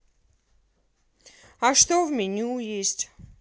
а что в меню есть